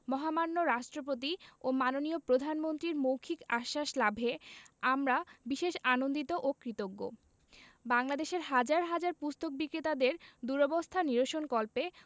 মহামান্য রাষ্ট্রপতি ও মাননীয় প্রধানমন্ত্রীর মৌখিক আশ্বাস লাভে আমরা বিশেষ আনন্দিত ও কৃতজ্ঞ বাংলাদেশের হাজার হাজার পুস্তক বিক্রেতাদের দুরবস্থা নিরসনকল্পে